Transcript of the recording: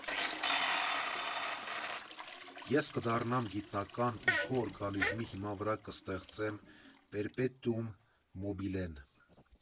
Ես կդառնամ գիտնական ու քո օրգանիզմի հիման վրա կստեղծեմ պերպետուում մոբիլեն։